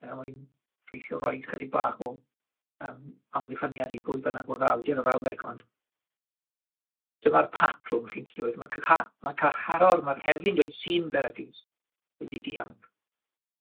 Er mwyn gobeithio rhoid chydig bach o yym amddiffyniad i bwy bynnag o'dd yr awdur y frawddeg, ond dyma'r patrwm chi'n 'gllu clywed Ma' caha- ma' carcharor, ma'r heddlu'n dweud sy'n beryglus, wedi dianc.